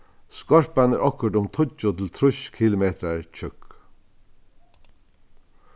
skorpan er okkurt um tíggju til trýss kilometrar tjúkk